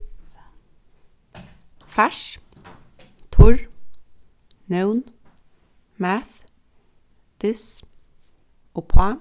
fars turr nøvn math this uppá